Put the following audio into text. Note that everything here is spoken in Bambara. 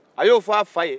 a y'o fɔ a fa ye